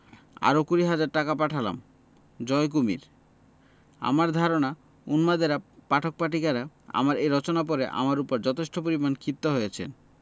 আরো কুড়ি হাজার টাকা পাঠালাম জয় কুমীর | আমার ধারণা উন্মাদের পাঠক পাঠিকার আমার এই রচনা পড়ে আমার উপর যথেষ্ট পরিমাণে ক্ষিপ্ত হয়েছেন